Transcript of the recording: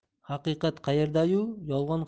haqiqat qayerda yu yolg'on